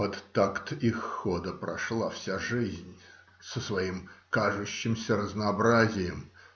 - Под такт их хода прошла вся жизнь с своим кажущимся разнообразием